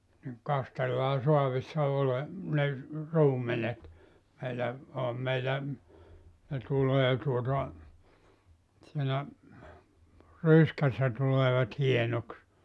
niin kastellaan saavissa - ne ruumenet meillä olihan meillä ne tulee tuota siinä ryskässä tulevat hienoksi